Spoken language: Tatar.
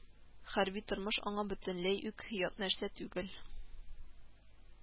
Хәрби тормыш аңа бөтенләй үк ят нәрсә түгел